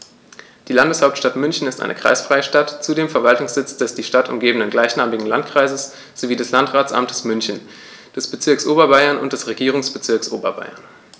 Die Landeshauptstadt München ist eine kreisfreie Stadt, zudem Verwaltungssitz des die Stadt umgebenden gleichnamigen Landkreises sowie des Landratsamtes München, des Bezirks Oberbayern und des Regierungsbezirks Oberbayern.